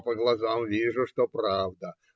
- По глазам вижу, что правда.